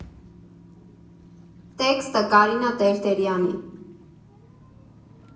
Տեքստը՝ Կարինա Տերտերյանի։